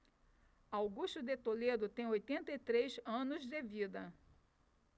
augusto de toledo tem oitenta e três anos de vida